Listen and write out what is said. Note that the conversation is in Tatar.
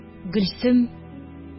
Гөлсем